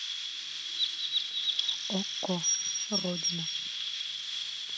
okko родина